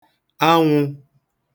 anwụ̄